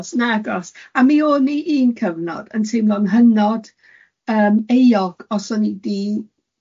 Nagos nagos a mi o'n i un cyfnod yn teimlo'n hynod yym euog os o'n i di